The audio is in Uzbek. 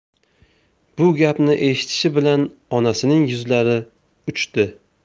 bu gapni eshitishi bilan onasining yuzlari uchdi